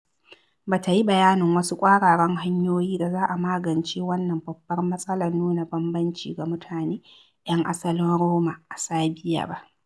Ba ta yi bayanin wasu ƙwararan hanyoyin da za a magance wannan babbar matsalar nuna bambanci ga mutane 'yan asalin Roma a Serbiya ba.